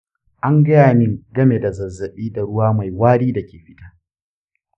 an gaya min game da zazzabi da ruwa mai wari da ke fita.